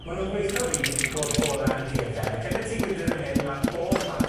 Ma' nw'n gweu' 'tho fi fod bola'n gefen, ac yn y tŷ gwydyr fan hyn ma' pob math